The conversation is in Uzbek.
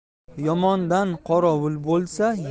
yomondan qorovul bo'lsa